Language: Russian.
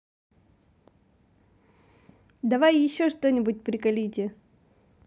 давай еще что нибудь приколите